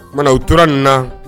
Munna u tora nin na